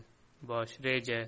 bosh reja